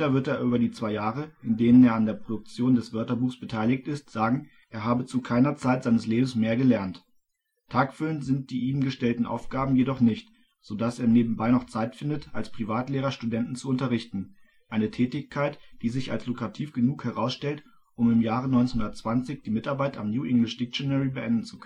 wird er über die zwei Jahre, in denen er an der Produktion des Wörterbuchs beteiligt ist, sagen, er habe zu keiner Zeit seines Lebens mehr gelernt. Tagfüllend sind die ihm gestellten Aufgaben jedoch nicht, so dass er nebenbei noch Zeit findet, als Privatlehrer Studenten zu unterrichten, eine Tätigkeit, die sich als lukrativ genug herausstellt, um im Jahre 1920 die Mitarbeit am New English Dictionary beenden zu